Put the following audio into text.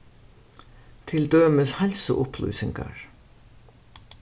til dømis heilsuupplýsingar